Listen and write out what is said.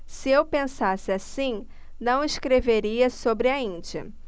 se eu pensasse assim não escreveria sobre a índia